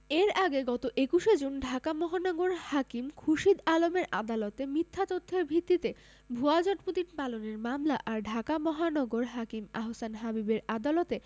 এর আগে গত ২১ জুন ঢাকা মহানগর হাকিম খুরশীদ আলমের আদালতে মিথ্যা তথ্যের ভিত্তিতে ভুয়া জন্মদিন পালনের মামলা আর ঢাকা মহানগর হাকিম আহসান হাবীবের আদালতে